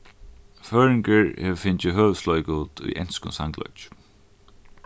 føroyingur hevur fingið høvuðsleiklut í enskum sangleiki